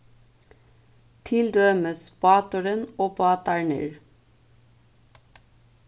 til dømis báturin og bátarnir